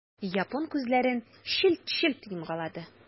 Япон күзләрен челт-челт йомгалады.